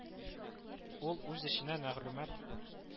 Ул үз эченә мәгълүмат